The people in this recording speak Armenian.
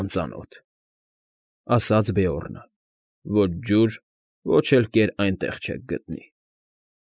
Անծանոթ,֊ ասաց Բեորնը։֊ Ոչ ջուր, ոչ էլ կեր այնտեղ չեք գտնի։